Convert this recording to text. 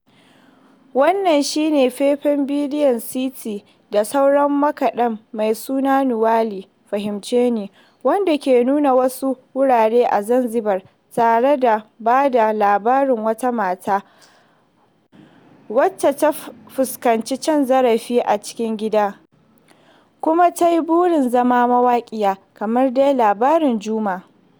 Wannan shi ne faifan bidiyon Siti da sauran makaɗa mai suna "Niewele" ("Fahimce Ni") wanda ke nuna wasu wurare a Zanzibar tare da ba da labarin wata mata wacce ta fuskanci cin zarafi a cikin gida kuma ta yi burin zama mawaƙiya, kamar dai irin labarin Juma.